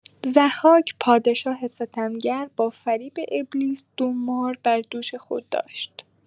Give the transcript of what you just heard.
ضحاک، پادشاه ستمگر، با فریب ابلیس، دو مار بر دوش خود داشت.